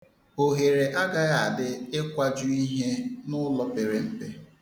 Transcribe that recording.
Ohere agaghị adị ịkwaju ihe n'ụlọ pere mpe.